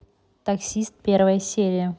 танкист первая серия